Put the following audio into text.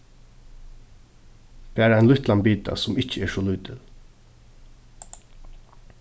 bara ein lítlan bita sum ikki er so lítil